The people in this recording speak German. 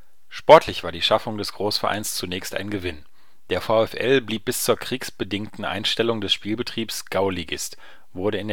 Sportlich war die Schaffung des Großvereins zunächst ein Gewinn. Der VfL blieb bis zur kriegsbedingten Einstellung des Spielbetriebs Gauligist, wurde